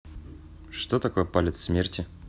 что такое палец смерти